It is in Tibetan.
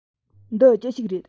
འདི ཅི ཞིག རེད